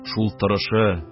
Шул торышы